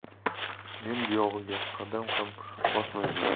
men buyog'iga qadam ham bosmayman